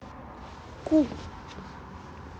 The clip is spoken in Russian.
ку